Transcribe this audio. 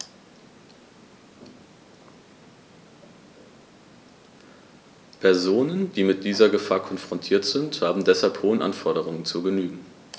Personen, die mit dieser Gefahr konfrontiert sind, haben deshalb hohen Anforderungen zu genügen.